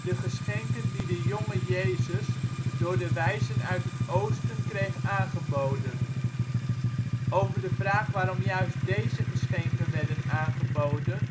de geschenken die de jonge Jezus door de Wijzen uit het Oosten kreeg aangeboden. Over de vraag waarom juist deze geschenken werden aangeboden,